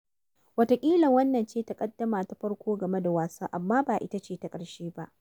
Wataƙila wannan ce taƙaddama ta farko game da wasan, amma ba ita ce ta ƙarshe ba.